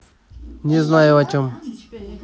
не знаю о чем